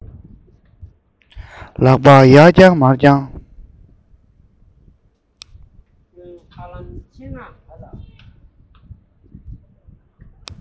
ཡར བརྐྱངས མར བརྐྱངས